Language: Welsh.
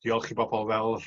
diolch i bobol fel...